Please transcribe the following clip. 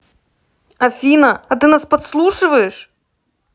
афина а ты нас подслушиваешь